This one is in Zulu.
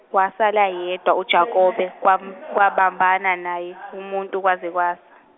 wasala yedwa uJakobe kwam- kwabambana naye umuntu kwaze kwasa.